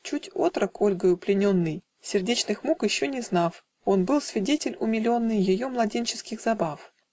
Чуть отрок, Ольгою плененный, Сердечных мук еще не знав, Он был свидетель умиленный Ее младенческих забав